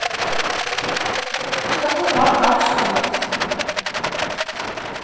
кто такой влад а четыре